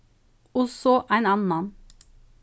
og so ein annan